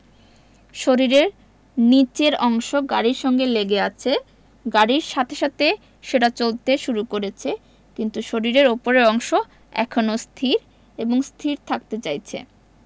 শরীরের নিচের অংশ গাড়ির সঙ্গে লেগে আছে গাড়ির সাথে সাথে সেটা চলতে শুরু করেছে কিন্তু শরীরের ওপরের অংশ এখনো স্থির এবং স্থির থাকতে চাইছে